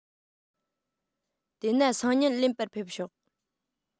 དེ ན སང ཉིན ལེན པར ཕེབས ཤོག